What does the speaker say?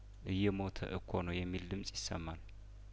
እየሞተ እኮ ነው የሚል ድምጽ ይሰማል